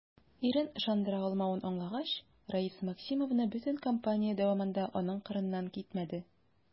Ирен ышандыра алмавын аңлагач, Раиса Максимовна бөтен кампания дәвамында аның кырыннан китмәде.